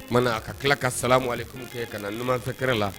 O tumana a ka tila ka samu aleyikun kɛ ka na numanfɛ kɛrɛ la